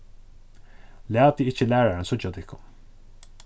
latið ikki læraran síggja tykkum